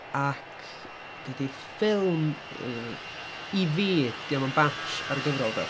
Ac dydy'r ffilm yy i fi 'di o'm yn batch ar y gyfrol de?